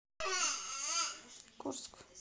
курск